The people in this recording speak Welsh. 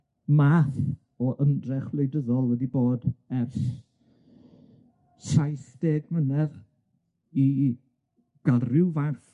math o ymdrech wleidyddol wedi bod ers saith deg mlynedd i i ga'l ryw fath